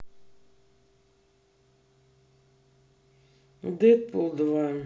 дедпул два